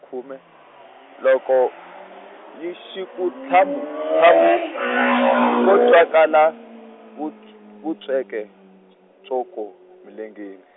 khume loko, xi ku thamu thamu, ko twakala, vut- vutsweke, ts- tswoke milengeni.